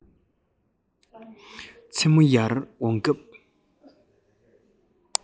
མཚན མོ ཡར འོང སྐབས